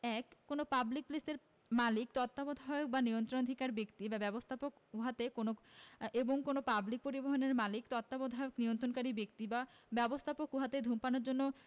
১ কোন পাবলিক প্লেসের মালিক তত্ত্বাবধায়ক বা নিয়ন্ত্রণকারী ব্যক্তি বা ব্যবস্থাপক উহাতে এবং কোন পাবলিক পরিবহণের মালিক তত্ত্বাবধায়ক নিয়ন্ত্রণকারী ব্যক্তি বা ব্যবস্থাপক উহাতে ধূমপানের জন্য